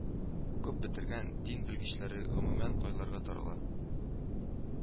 Укып бетергән дин белгечләре, гомумән, кайларга тарала